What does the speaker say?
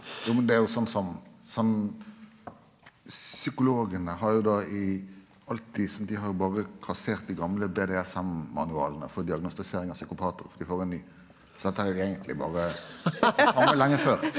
jo men det er jo sånn som som psykologane har jo då i alt dei som dei har jo berre kassert dei gamle BDSM-manualane for diagnostisering av psykopatar for dei får ein ny så dette her er eigentleg berre lenge før.